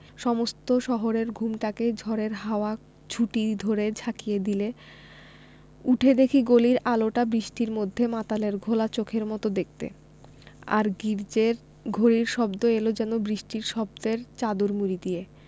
সমস্ত শহরের ঘুমটাকে ঝড়ের হাওয়া ঝুঁটি ধরে ঝাঁকিয়ে দিলে উঠে দেখি গলির আলোটা বৃষ্টির মধ্যে মাতালের ঘোলা চোখের মত দেখতে আর গির্জ্জের ঘড়ির শব্দ এল যেন বৃষ্টির শব্দের চাদর মুড়ি দিয়ে